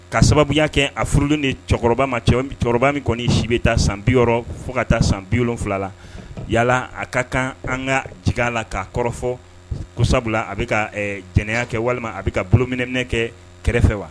Ka sababu yyaa kɛ a furulen ni cɛkɔrɔba ma cɛ cɛkɔrɔba min kɔni si bɛ taa san bi fo ka taa san bi fila la yala a ka kan an ka jigin la k'a kɔrɔfɔ sabula a bɛ jɛnɛya kɛ walima a bɛ ka bolominminɛ kɛ kɛrɛfɛ wa